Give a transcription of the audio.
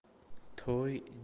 toy jahl bilan